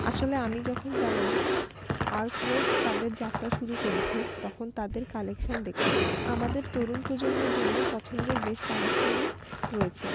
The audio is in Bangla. আসলে আমি যখন জানলাম আর্টরেস তাদের যাত্রা শুরু করেছে তখন তাদের কালেকশান দেখলাম আমাদের তরুণ প্রজন্মের জন্য পছন্দের বেশ কালেকশন রয়েছে